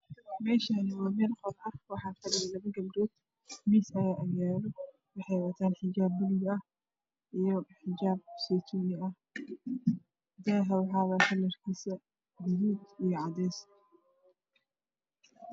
Meeshaan waxaa fadhiyaan laba gabdhood waxey watan xijaabo baluug iyo xijaab seeji ah daaha kalarkisu waa gaduud iyo cadaan